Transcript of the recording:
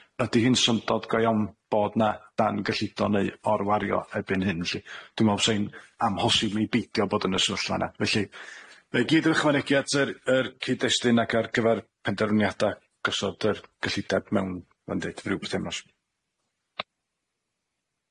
Ydi hi'n syndod go iawn bod na dangyllido neu orwario erbyn hyn lly, dwi me'l sa hi'n amhosib i beidio bod yn y sefyllfa 'na felly mae gyd yn ychwanegu at yr yr cyd-destun ac ar gyfar penderfyniada gosod yr gyllideb mewn ma'n deud ryw bythenos.